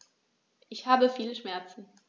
Ich habe viele Schmerzen.